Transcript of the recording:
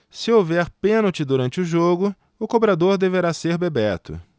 se houver pênalti durante o jogo o cobrador deverá ser bebeto